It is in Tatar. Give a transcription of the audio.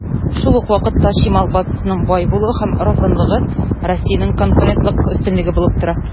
Шул ук вакытта, чимал базасының бай булуы һәм арзанлыгы Россиянең конкурентлык өстенлеге булып тора.